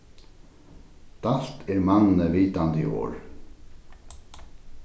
dælt er manni vitandi orð